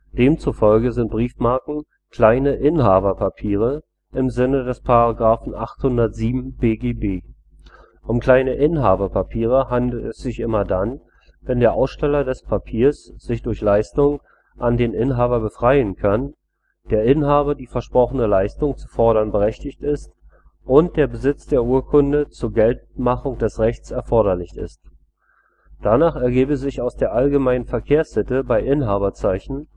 Demzufolge sind Briefmarken „ kleine Inhaberpapiere “im Sinne des § 807 BGB. Um „ kleine Inhaberpapiere “handelt es sich immer dann, wenn der Aussteller des Papiers sich durch Leistung an den Inhaber befreien kann, der Inhaber die versprochene Leistung zu fordern berechtigt ist und der Besitz der Urkunde zur Geltendmachung des Rechts erforderlich ist. Danach ergebe sich aus der allgemeinen Verkehrssitte bei Inhaberzeichen